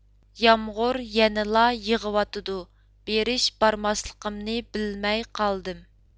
يامغۇر يەنىلا يېغىۋاتىدۇ بېرىش بارماسلىقىمنى بىلمەي قالدىم